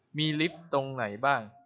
มีลิฟท์ตรงไหนบ้าง